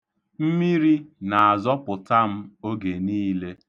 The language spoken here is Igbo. Mmiri na-azọpụta m oge niile.